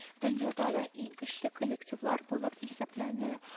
Дөньяда да иң көчле коллективлар булып исәпләнә